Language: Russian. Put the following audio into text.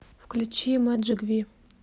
включи мэджик ви